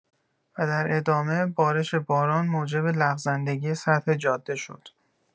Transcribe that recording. و در ادامه بارش باران، موجب لغزندگی سطح جاده شد.